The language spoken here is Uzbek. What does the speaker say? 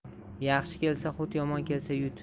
yaxshi kelsa hut yomon kelsa yut